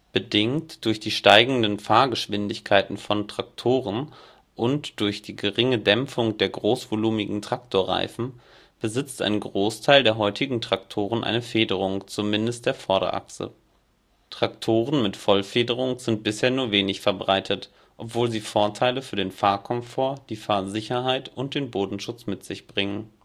Bedingt durch die steigenden Fahrgeschwindigkeiten von Traktoren (bis zu 80 km/h beim JCB Fastrac) und durch die geringe Dämpfung der großvolumigen Traktorreifen besitzt ein Großteil der heutigen Traktoren eine Federung zumindest der Vorderachse. Traktoren mit Vollfederung sind bisher nur wenig verbreitet, obwohl sie Vorteile für den Fahrkomfort, die Fahrsicherheit und den Bodenschutz mit sich bringen